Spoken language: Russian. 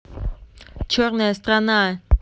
черная страна